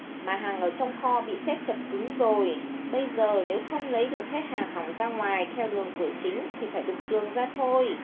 mà hàng ở trong kho bị xếp chật cứng rồi bây giờ nếu không lấy được hết hàng hỏng ra ngoài theo đường cửa chính thì phải đục tường ra thôi